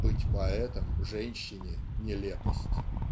"быть поэтом женщине - нелепость".